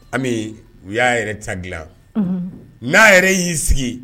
Ami u y'a yɛrɛ ta dilan n'a yɛrɛ y'i sigi